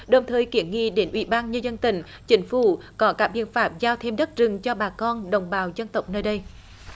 đồng thời kiến nghị đến ủy ban nhân dân tỉnh chính phủ có cả biện pháp giao thêm đất rừng cho bà con đồng bào dân tộc nơi đây